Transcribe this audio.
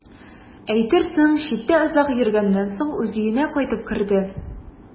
Әйтерсең, читтә озак йөргәннән соң үз өенә кайтып керде.